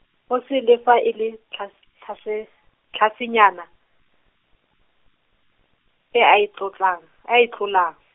go se le fa e le tlhas- tlhase, tlhasenyana, e a e tlo tlang, a e tlolang.